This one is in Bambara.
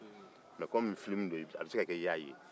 me komi filimu don a bɛ se ka kɛ i y'a ye